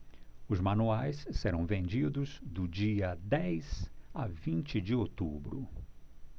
os manuais serão vendidos do dia dez a vinte de outubro